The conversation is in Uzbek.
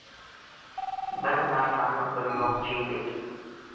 bir narsani bilmoqchiydik